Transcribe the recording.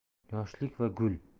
yoshlik va gul